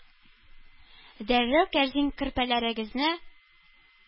Дәррәү кәрзин, көрпәләрегезне